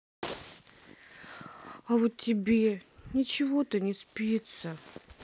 а вот тебе ничего то не спится